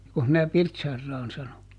jokos minä Pirtsaran sanoin